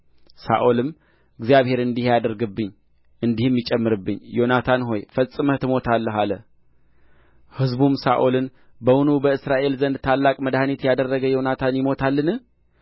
ሳኦልም እግዚአብሔር እንዲህ ያድርግብኝ እንዲህም ይጨምርብኝ ዮናታን ሆይ ፈጽመህ ትሞታለህ አለ ሕዝቡም ሳኦልን በውኑ በእስራኤል ዘንድ ታላቅ መድኃኒት ያደረገ ዮናታን ይሞታልን